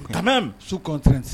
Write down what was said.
Quand même sous contrôle